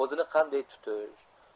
o'zini qanday tutish